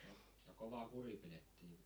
ja kova kuri pidettiin